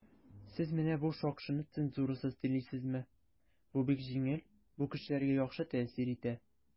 "сез менә бу шакшыны цензурасыз телисезме?" - бу бик җиңел, бу кешеләргә яхшы тәэсир итә.